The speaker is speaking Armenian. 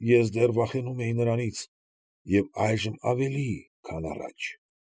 Ես դեռ վախենում էի նրանից և այժմ ավելի, քան առաջ։